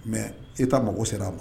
Mɛ e taa mago sera ma